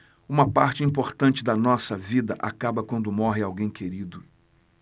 uma parte importante da nossa vida acaba quando morre alguém querido